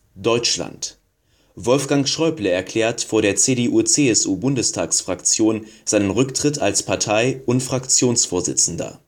D: Wolfgang Schäuble erklärt vor der CDU/CSU-Bundestagsfraktion seinen Rücktritt als Partei - und Fraktionsvorsitzender